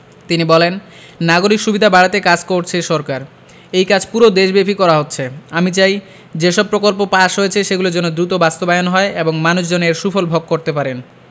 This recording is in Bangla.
তিনি বলেন নাগরিক সুবিধা বাড়াতে কাজ করছে সরকার এই কাজ পুরো দেশব্যাপী করা হচ্ছে আমি চাই যেসব প্রকল্প পাস হয়েছে সেগুলো যেন দ্রুত বাস্তবায়ন হয় এবং মানুষ যেন এর সুফল ভোগ করতে পারেন